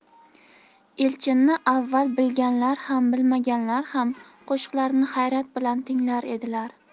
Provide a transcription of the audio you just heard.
elchinni avval bilganlar ham bilmaganlar ham qo'shiqlarni hayrat bilan tinglar edilar